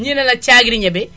ñii ne la caagiri ñebe